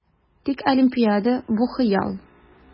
Тик Олимпиада - бу хыял!